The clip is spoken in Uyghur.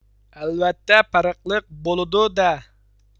ئەلۋەتتە پەرقلىق بلىدۇ دە